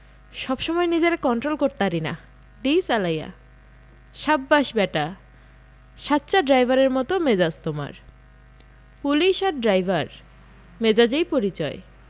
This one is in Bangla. সব সময় নিজেরে কন্টোল করতারি না দি চালায়া সাব্বাস ব্যাটা সাচ্চা ড্রাইভারের মত মেজাজ তোমার পুলিশ আর ড্রাইভার মেজাজেই পরিচয়